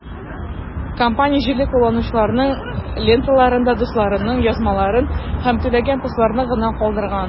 Компания җирле кулланучыларның ленталарында дусларының язмаларын һәм түләнгән постларны гына калдырган.